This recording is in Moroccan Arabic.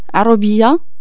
عروبية